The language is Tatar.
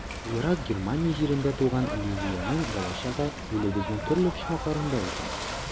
Ерак Германия җирендә туган Лилиянең балачагы илебезнең төрле почмакларында үтә.